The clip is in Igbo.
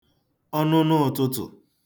ọnụnụ ụ̄tụ̄tụ̀